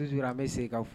Sutuur a bɛ segin ka